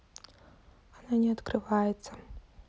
она не открывается